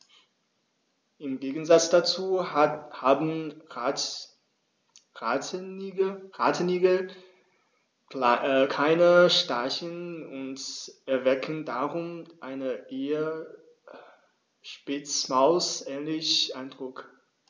Im Gegensatz dazu haben Rattenigel keine Stacheln und erwecken darum einen eher Spitzmaus-ähnlichen Eindruck.